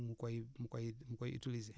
mu koy mu koy mu koy utiliser